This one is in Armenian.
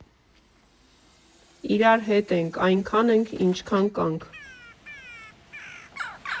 Իրար հետ ենք, այնքան ենք, ինչքան կանք»։